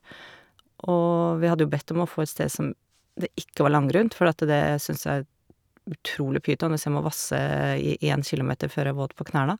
Og vi hadde jo bedt om å få et sted som det ikke var langgrunt, fordi at det syns jeg er utrolig pyton, hvis jeg må vasse i én kilometer før jeg er våt på knærne.